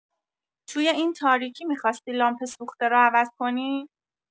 توی این تاریکی می‌خواستی لامپ سوخته را عوض کنی؟